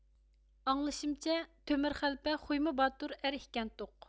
ئاڭلىشىمچە تۆمۈر خەلپە خويمۇ باتۇر ئەر ئىكەنتۇق